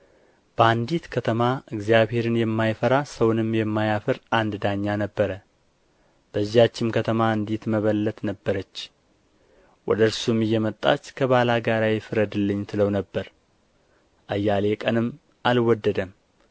በአንዲት ከተማ እግዚአብሔርን የማይፈራ ሰውንም የማያፍር አንድ ዳኛ ነበረ በዚያችም ከተማ አንዲት መበለት ነበረች ወደ እርሱም እየመጣች ከባላጋራዬ ፍረድልኝ ትለው ነበር አያሌ ቀንም አልወደደም